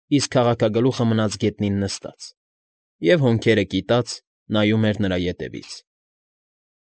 Իսկ քաղաքագլուխը մնաց գետնին նստած և, հոնքերը կիտած, նայում էր նրա ետևից։